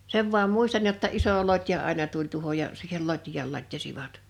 sen vain muistan jotta iso lotja aina tuli tuohon ja siihen lotjaan latjasivat